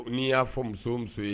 N'i y'a fɔ muso muso ye